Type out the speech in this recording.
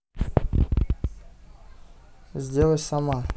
сделай сама